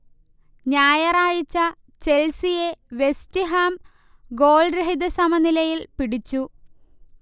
ഞായറാഴ്ച ചെൽസിയെ വെസ്റ്റ്ഹാം ഗോൾരഹിത സമനിലയിൽ പിടിച്ചു